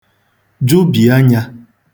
jụbì anyā